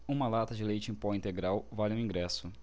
uma lata de leite em pó integral vale um ingresso